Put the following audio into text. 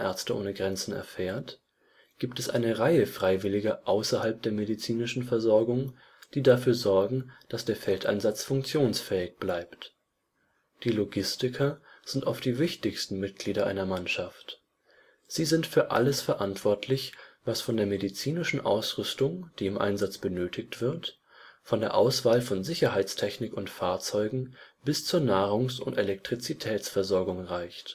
Ärzte ohne Grenzen erfährt, gibt es eine Reihe Freiwilliger außerhalb der medizinischen Versorgung, die dafür sorgen, dass der Feldeinsatz funktionsfähig bleibt. Die Logistiker sind oft die wichtigsten Mitglieder einer Mannschaft. Sie sind für alles verantwortlich, was von der medizinischen Ausrüstung, die im Einsatz benötigt wird, von der Auswahl von Sicherheitstechnik und Fahrzeugen bis zur Nahrungs - und Elektrizitätsversorgung reicht